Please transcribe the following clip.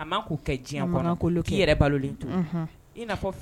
A kɛ diɲɛkolon k'i balo